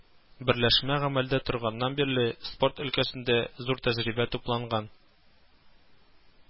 Берләшмә гамәлдә торганнан бирле, спорт өлкәсендә зур тәҗрибә тупланган